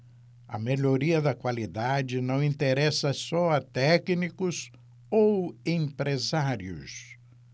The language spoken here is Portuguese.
a melhoria da qualidade não interessa só a técnicos ou empresários